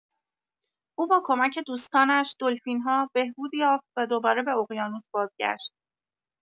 او با کمک دوستانش، دلفین‌ها، بهبود یافت و دوباره به اقیانوس بازگشت.